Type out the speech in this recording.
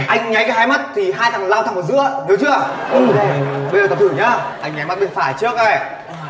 anh nháy cả hai mắt thì hai thằng lao thẳng vào giữa hiểu chưa bây giờ tập thử nhớ anh nháy mắt bên phải trước đây